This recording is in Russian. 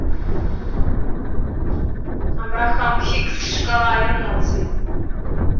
абрахам хикс шкала эмоций